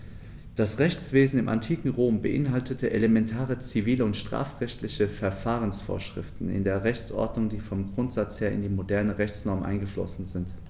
Das Rechtswesen im antiken Rom beinhaltete elementare zivil- und strafrechtliche Verfahrensvorschriften in der Rechtsordnung, die vom Grundsatz her in die modernen Rechtsnormen eingeflossen sind.